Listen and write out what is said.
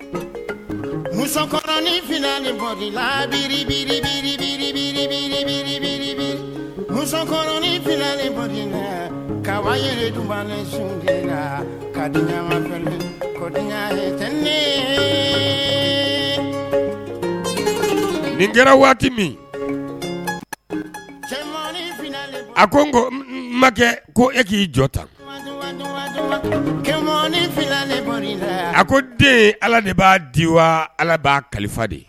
Lab ka nin kɛra waati min a ko n ko makɛ ko e k'i jɔ ta a ko den ala de b'a di wa ala b' kalifa de ye